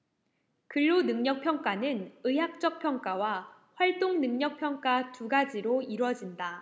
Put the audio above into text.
근로능력평가는 의학적 평가와 활동능력 평가 두 가지로 이뤄진다